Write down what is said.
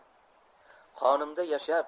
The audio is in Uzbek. qonimda yashab